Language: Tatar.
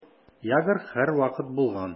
Ягр һәрвакыт булган.